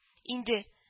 Инде